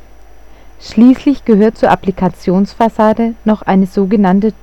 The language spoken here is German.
Schließlich gehört zur Applikations-Fassade noch eine sog.